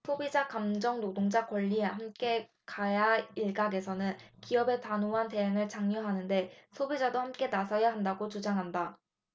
소비자 감정노동자 권리 함께 가야일각에서는 기업의 단호한 대응을 장려하는데 소비자도 함께 나서야 한다고 주장한다